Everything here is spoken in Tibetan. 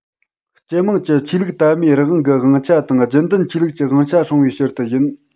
སྤྱི དམངས ཀྱི ཆོས ལུགས དད མོས རང དབང གི དབང ཆ དང རྒྱུན ལྡན ཆོས ལུགས ཀྱི དབང ཆ སྲུང བའི ཕྱིར དུ ཡིན